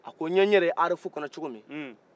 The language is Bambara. a ko n ye n yɛrɛ ye arf kɔnɔ coko min